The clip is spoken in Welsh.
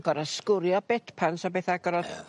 Gor'o' sgwrio bed pans a beth a gor'o'...